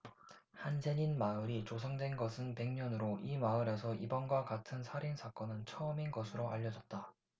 한센인 마을이 조성된 것은 백 년으로 이 마을에서 이번과 같은 살인 사건은 처음인 것으로 알려졌다